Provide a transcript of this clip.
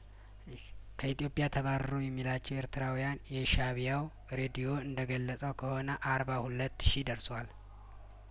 ከኢትዮጵያ ተባረሩ የሚላቸው ኤርትራውያን የሻእቢያው ሬዲዮ እንደገለጸው ከሆነ አርባ ሁለት ሺ ደርሷል